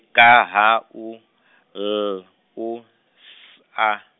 K H U, L U S A.